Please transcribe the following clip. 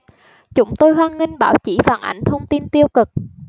chúng tôi hoan nghênh báo chí phản ánh thông tin tiêu cực